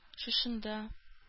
Шушында